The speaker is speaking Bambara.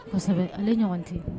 Kosɛbɛ ale ɲɔgɔn tɛyi